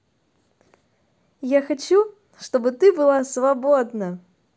я хочу чтобы ты была свободна